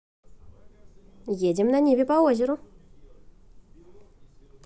едем на ниве по озеру